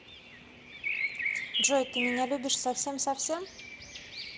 джой ты меня любишь совсем совсем